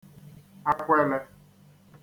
akwelē